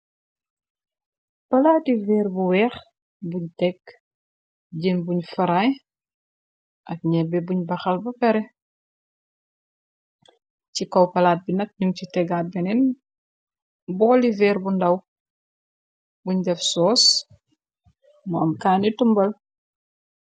palaat yi veer bu weex buñ tekk jen buñ faray ak nuebbe buñ baxal ba pare ci kaw palaat bi nak nyung ci tegaat beneen booli veer bu ndaw buñ def soos mu am kaani tumbal